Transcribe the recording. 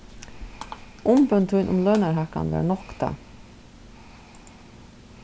umbøn tín um lønarhækkan varð noktað